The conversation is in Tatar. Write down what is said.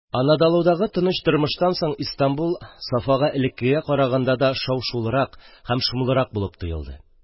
Анадолудагы тыныч тормыштан соң Истанбул Сафага элеккегә караганда да шау-шулырак һәм шомлырак булып тоелды.